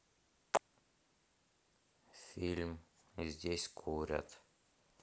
фильм здесь курят